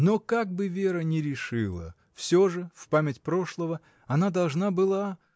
Но как бы Вера ни решила, всё же, в память прошлого, она должна была.